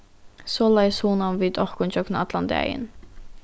soleiðis hugnaðu vit okkum gjøgnum allan dagin